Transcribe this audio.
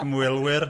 Ymwelwyr.